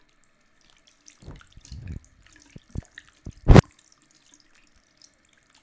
i love korea